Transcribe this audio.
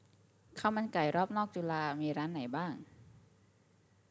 ข้าวมันไก่รอบนอกจุฬามีร้านไหนบ้าง